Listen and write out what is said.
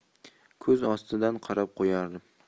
ko'z ostidan qarab qo'yardim